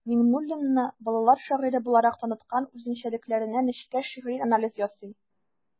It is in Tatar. Миңнуллинны балалар шагыйре буларак таныткан үзенчәлекләренә нечкә шигъри анализ ясый.